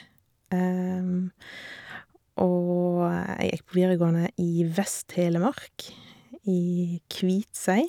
Og jeg gikk på videregående i Vest-Telemark, i Kviteseid.